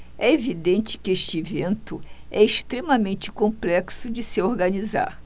é evidente que este evento é extremamente complexo de se organizar